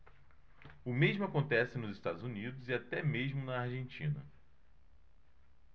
o mesmo acontece nos estados unidos e até mesmo na argentina